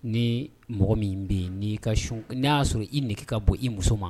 Ni mɔgɔ min bɛ yen n'i ka su n'a y'a sɔrɔ i nege ka bɔ i muso ma